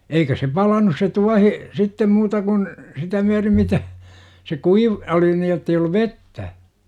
eikä se palanut se tuohi sitten muuta kuin sitä myöten mitä se kuiva oli niin jotta ei ollut vettä